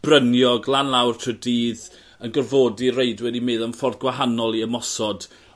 bryniog lan lawr trw'r dydd yn gorfodi reidwyr i meddwl am ffordd gwahanol i ymosod.